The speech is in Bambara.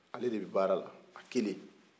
ale de bɛ baara la a kelen